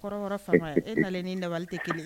Kɔrɔ faama ye e na nin dabali tɛ kelen